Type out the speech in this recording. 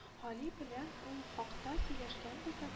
Гали белән ул хакта сөйләшкәнбез дә